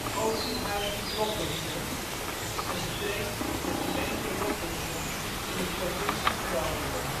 Oosterhuizen (Loppersum), een streekje in de gemeente Loppersum in de provincie Groningen